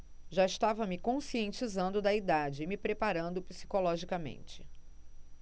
já estava me conscientizando da idade e me preparando psicologicamente